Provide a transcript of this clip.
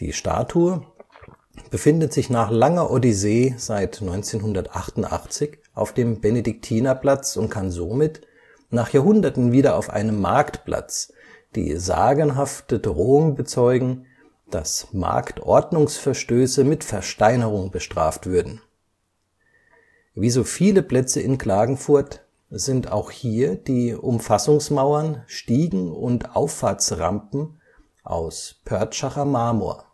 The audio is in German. Statue befindet sich nach langer Odyssee seit 1988 auf dem Benediktinerplatz und kann somit nach Jahrhunderten wieder auf einem Marktplatz die sagenhafte Drohung bezeugen, dass Marktordnungsverstöße mit Versteinerung bestraft würden. Wie so viele Plätze in Klagenfurt sind auch hier die Umfassungsmauern, Stiegen und Auffahrtsrampen aus Pörtschacher Marmor